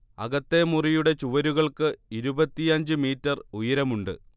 അകത്തെ അറയുടെ ചുവരുകൾക്ക് ഇരുപത്തിയഞ്ച് മീറ്റർ ഉയരമുണ്ട്